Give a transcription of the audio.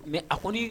Mɛ a ko